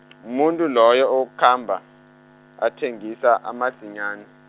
umuntu loyo wakhamba, athengisa amadzinyani.